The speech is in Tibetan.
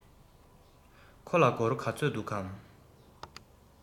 ཁོ ལ སྒོར ག ཚོད འདུག གམ